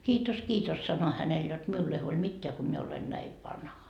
kiitos kiitos sanoin hänelle jotta minulle ei huoli mitään kun minä olen näin vanha